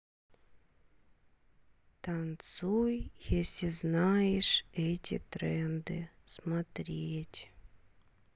танцуй если знаешь эти тренды смотреть